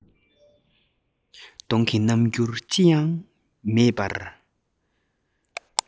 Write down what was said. གདོང གི རྣམ འགྱུར ཅི ཡང མེད པར